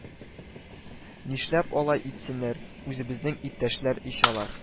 Нишләп алай итсеннәр, үзебезнең иптәшләр ич алар